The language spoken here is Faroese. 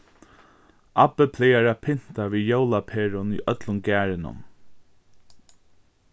abbi plagar at pynta við jólaperum í øllum garðinum